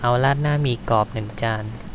เอาราดหน้าหมี่กรอบหนึ่งจาน